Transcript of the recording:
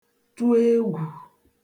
-tụ egwù